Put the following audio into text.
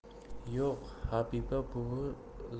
yo'q habiba buvi